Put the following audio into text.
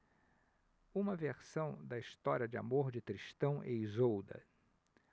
uma versão da história de amor de tristão e isolda